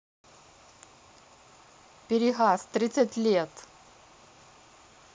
перегаз тридцать лет